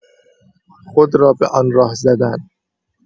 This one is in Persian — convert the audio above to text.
خود را به آن راه زدن